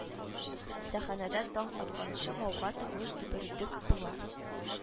Остаханәдә таң атканчы гауга тавыш дөбердек була